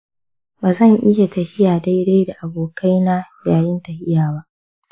ba zan iya tafiya daidai da abokaina yayin tafiya ba.